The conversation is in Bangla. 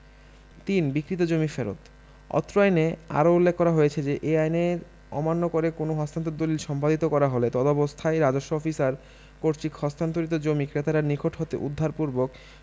৩ বিক্রীত জমি ফেরত অত্র আইনে আরো উল্লেখ করা হয়েছে যে এ আইন অমান্য করে কোনও হস্তান্তর দলিল সম্পাদিত করা হলে তদবস্থায় রাজস্ব অফিসার কর্তৃক হস্তান্তরিত জমি ক্রেতার নিকট হতে উদ্ধারপূর্বক